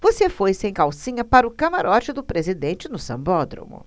você foi sem calcinha para o camarote do presidente no sambódromo